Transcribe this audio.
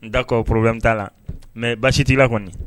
N dakɔ poroblɛm t'a la mɛ baasi t'i la kɔni.